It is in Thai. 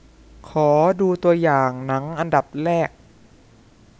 ขอดูตัวอย่างหนังอันดับแรก